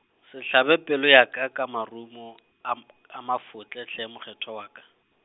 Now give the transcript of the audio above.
se hlabe pelo ya ka ka marumo, a mp-, a mafotle hle mokgethwa wa ka.